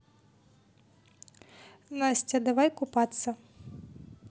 настя давай купаться